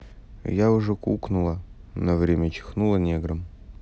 я уже кукнула на время чихнула негром